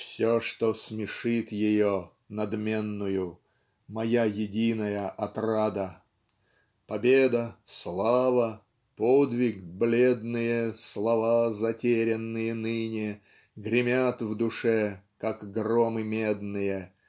Все, что смешит ее, надменную, - Моя единая отрада. Победа, слава, подвиг бледные Слова затерянные ныне Гремят в душе как громы медные